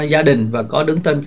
gia đình và có đứng tên